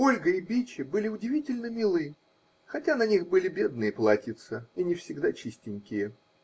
Ольга и Биче были удивительно милы, хотя на них были бедные платьица, и не всегда чистенькие.